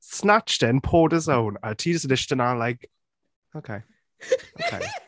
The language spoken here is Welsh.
Snatched it and poured his own a ti just yn eistedd ‘na like... okay, okay.